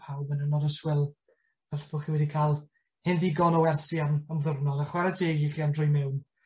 Pawb yn ornod o swil. Falle bo' chi wedi ca'l hen ddigon o wersi am am ddiwrnod a chware teg i chi am droi miwn.